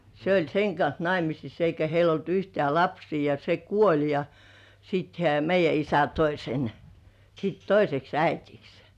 se oli sen kanssa naimisissa eikä heillä ollut yhtään lapsia ja se kuoli ja sitten hän meidän isä toi sen sitten toiseksi äidiksi